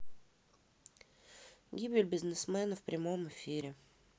гибель бизнесмена в прямом эфире